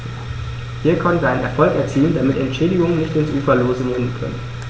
Hier konnten wir einen Erfolg erzielen, damit Entschädigungen nicht ins Uferlose münden können.